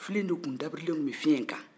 filen de tun dabirilen tun bɛ fiɲɛn kan